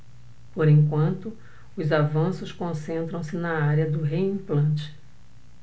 por enquanto os avanços concentram-se na área do reimplante